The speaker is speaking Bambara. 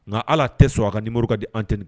Nka hal'atɛ sɔn a ka numéro ka di antenne b